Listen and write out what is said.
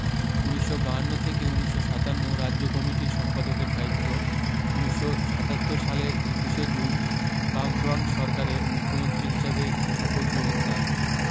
উনিশশ বাহান্ন থেকে উনিশশ সাতান্ন রাজ্য কমিটির সম্পাদকের দায়িত্ব উনিশশ সাতাত্তর সালের একুশে জুন বাম ফরণ্ট সরকারের মুখ্যমন্ত্রী হিসাবে শপথ গ্রহন তার